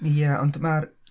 ia ond ma'r...